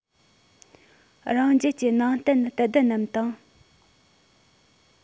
རང རྒྱལ གྱི ནང བསྟན དད ལྡན རྣམས དང